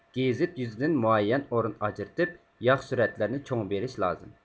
گېزىت يۈزىدىن مۇئەييەن ئورۇن ئاجرىتىپ ياخشى سۈرەتلەرنى چوڭ بېرىش لازىم